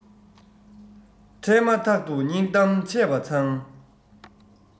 འཕྲད མ ཐག ཏུ སྙིང གཏམ འཆད པ མཚང